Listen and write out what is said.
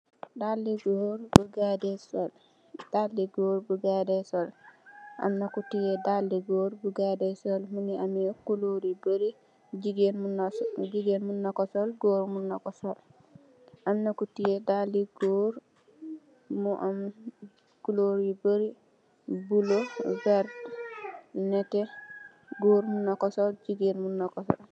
Dalih goor bu guyi de solo, amna ku teyeh dalluh goor bu am colour yu barri"jigeen munnako sol goor munnako sol.